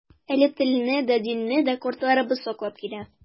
Әле телне дә, динне дә картларыбыз саклап килә.